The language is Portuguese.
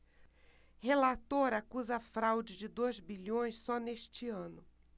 relator acusa fraude de dois bilhões só neste ano